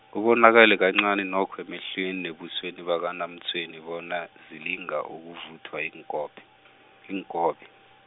kubonakale kancani nokho emehlweni nebusweni bakaNaMtshweni bona zilinga ukuvuthwa iinkophe , iinkobe.